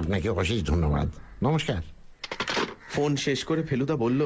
আপনাকে অশেষ ধন্যবাদ নমস্কার ফোন শেষ করে ফেলুদা বলল